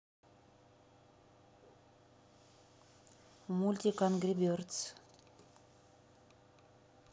мультик ангри бердс